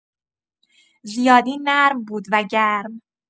زیادی نرم بود و گرم.